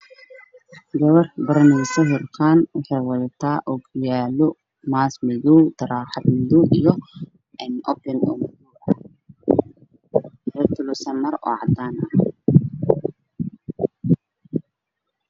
Waa gabar baraneyso harqaan waxay wataan ookiyaalo, maas madow ah, taraaxad madow ah iyo obin waxay toleysaa maro oo cadaan ah.